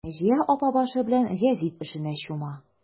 Наҗия апа башы белән гәзит эшенә чума.